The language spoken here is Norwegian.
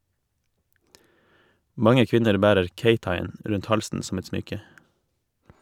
Mange kvinner bærer keitai-en rundt halsen som et smykke.